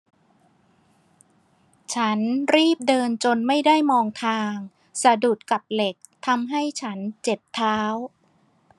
ฉันรีบเดินจนไม่ได้มองทางสะดุดกับเหล็กทำให้ฉันเจ็บเท้า